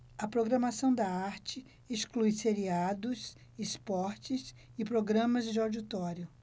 a programação da arte exclui seriados esportes e programas de auditório